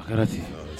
A kɛra ten